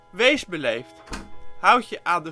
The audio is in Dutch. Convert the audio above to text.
Wees beleefd Houd je aan